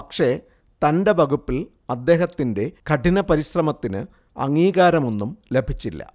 പക്ഷെ തന്റെ വകുപ്പിൽ അദ്ദേഹത്തിന്റെ കഠിനപരിശ്രമത്തിന് അംഗീകാരമൊന്നും ലഭിച്ചില്ല